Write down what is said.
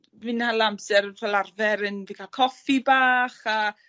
fi'n hala amser ffel arfer yn fi ca'l coffi bach a